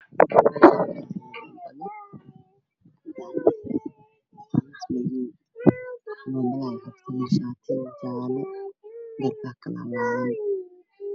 Halkaan waxaa yaalo gaari qurux badan oo kalarkiisu yahay baluug